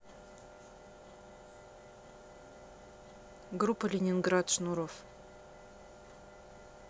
группа ленинград шнуров